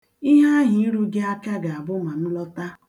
Ihe ahụ iru gị aka ga-abụ ma m lọta.